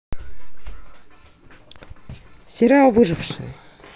сериал выжившие